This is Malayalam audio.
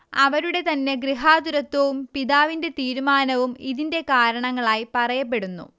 അവരുടെ തന്നെ ഗൃഹാതുരത്വവും പിതാവിന്റെ തീരുമാനവും ഇതിന്റെ കാരണങ്ങളായി പറയപ്പെടുന്നു